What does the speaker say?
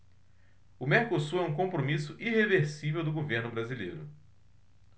o mercosul é um compromisso irreversível do governo brasileiro